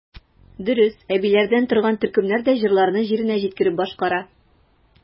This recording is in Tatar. Дөрес, әбиләрдән торган төркемнәр дә җырларны җиренә җиткереп башкара.